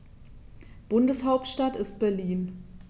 Bundeshauptstadt ist Berlin.